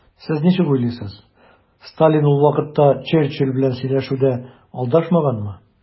Сез ничек уйлыйсыз, Сталин ул вакытта Черчилль белән сөйләшүдә алдашмаганмы?